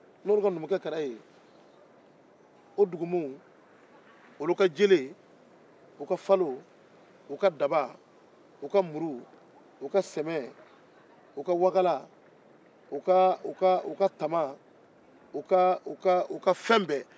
ni olu ka numukɛ kɛra e ye o dugumɔgɔw olu ka jele u ka daba u ka falo u ka muru u ka sɛmɛ u ka wakalo u ka u ka tama u ka u ka fɛn bɛɛ